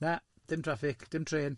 Na, dim traffig, dim trên.